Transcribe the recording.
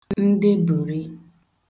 ndebùri